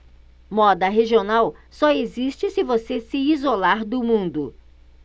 moda regional só existe se você se isolar do mundo